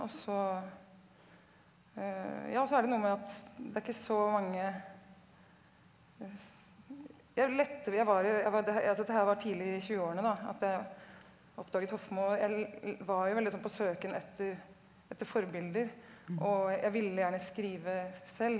og så ja så er det noe med at det er ikke så mange jeg jeg var i det her var tidlig tjueårene da at jeg oppdaget Hofmo og jeg var jo veldig sånn på søken etter etter forbilder og jeg ville gjerne skrive selv.